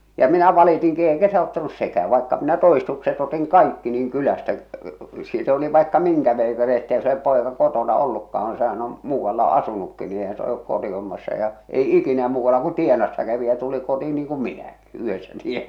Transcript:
ja minä valitinkin eikä se auttanut sekään vaikka minä todistukset otin kaikki niin kylästä siitä oli vaikka minkä veikari että ei se ole poika kotona ollutkaan kun sehän on muualla asunutkin niin eihän se ole kotihommassa ja ei ikinä muualla kuin tienassa kävi ja tuli kotiin niin kuin minäkin yhdessä tiena